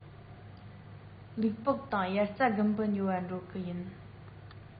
ལུག པགས དང དབྱར རྩྭ དགུན འབུ ཉོ བར འགྲོ གི ཡིན